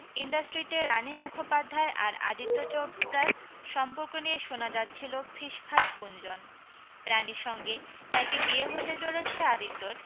ইণডাস্ট্রিতে রানি মুখোপাধ্যায় আর আদিত্য চোপড়ার সম্পর্ক নিয়ে শোনা যাচ্ছিল ফিসফাস গুঞ্জন রানির সঙ্গে নাকি বিয়ে হতে চলেছে আদিত্যর